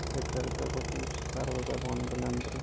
amirliklar hujumchisi darvozaboni bilan